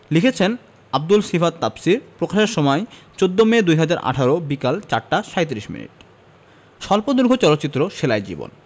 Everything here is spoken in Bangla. লিখেছেনঃ আব্দুল্লাহ সিফাত তাফসীর প্রকাশের সময় ১৪মে ২০১৮ বিকেল ৪ টা ৩৭ মিনিট স্বল্পদৈর্ঘ্য চলচ্চিত্র সেলাই জীবন